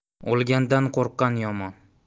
o'lgandan qo'rqqan yomon